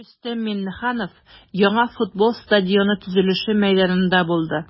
Рөстәм Миңнеханов яңа футбол стадионы төзелеше мәйданында булды.